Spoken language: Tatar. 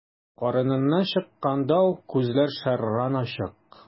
Карыныннан чыкканда ук күзләр шәрран ачык.